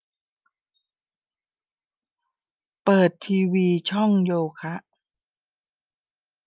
เปิดทีวีช่องโยคะ